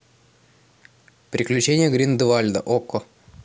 приключения гриндевальда окко